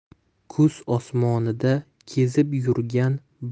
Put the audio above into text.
kuz osmonida kezib yurgan